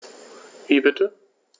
Wie bitte?